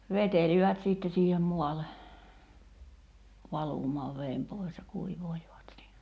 vetelivät sitten siihen maalle valumaan veden pois ja kuivailivat siinä